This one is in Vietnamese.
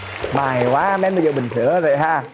may quá mém vô bình sữa rồi ha